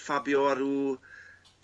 Fabio Aru